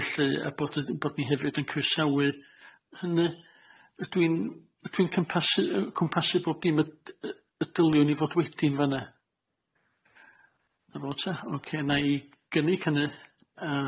felly a bod yy bod ni hefyd yn croesawu hynny, ydw i'n ydw i'n cympasu- yy cwmpasu bob dim y d- y dyliwn i fod wedi yn fan'na. Na fo ta, oce nai gynnig hyny.